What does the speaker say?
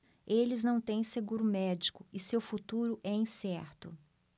eles não têm seguro médico e seu futuro é incerto